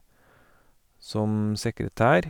Som sekretær.